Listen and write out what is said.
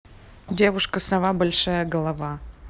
девушка сова большая голова